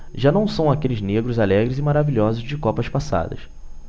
já não são aqueles negros alegres e maravilhosos de copas passadas